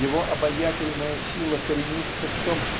Его обаятельная сила коренится в том